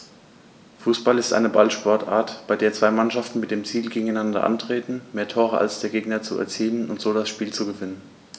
Fußball ist eine Ballsportart, bei der zwei Mannschaften mit dem Ziel gegeneinander antreten, mehr Tore als der Gegner zu erzielen und so das Spiel zu gewinnen.